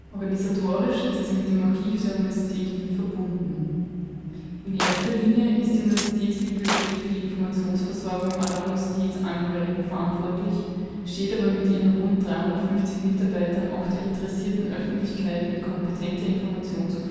Organisatorisch ist sie mit dem Archiv der Universität Wien verbunden. In erster Linie ist die Universitätsbibliothek für die Informationsversorgung aller Universitätsangehörigen verantwortlich, steht aber mit ihren rund 350 Mitarbeitern auch der interessierten Öffentlichkeit mit kompetenter Information zur